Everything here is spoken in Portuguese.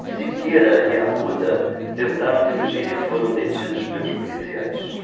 siqueira e arruda tentaram fugir e foram detidos pelos policiais